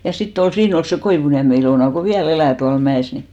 ja sitten oli siinä oli se Koivuniemen Ilona kun vielä elää tuolla mäessä niin